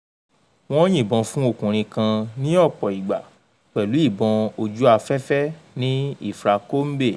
Wọ́n yìnbọn fún ọkùnrin kan ní ọ̀pọ̀ ìgbà pẹ̀lú ìbọn ojú afẹ́fẹ́ ni Ilfracombe